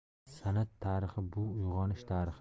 san'at tarixi bu uyg'onish tarixi